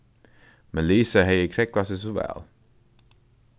men lisa hevði krógvað seg so væl